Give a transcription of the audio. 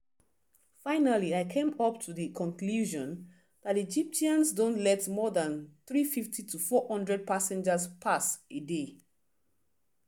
Finally, I came up to the conclusion that the Egyptians don’t let more than 350-400 passengers pass a day.